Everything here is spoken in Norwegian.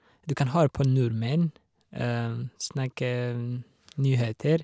Du kan høre på nordmenn snakke nyheter.